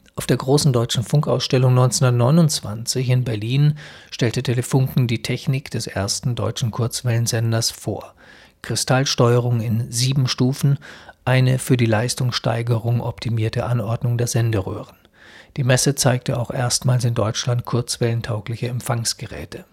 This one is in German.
Auf der Großen Deutschen Funkausstellung 1929 in Berlin stellte Telefunken die Technik des ersten deutschen Kurzwellensenders vor: Kristallsteuerung in sieben Stufen, eine für die Leistungssteigerung optimierte Anordnung der Senderöhren. Die Messe zeigte auch erstmals in Deutschland Kurzwellen-taugliche Empfangsgeräte